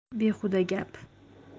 behuda gap